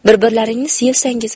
bir birlaringni sevsangiz